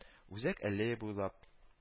Үзәк әллея буйлап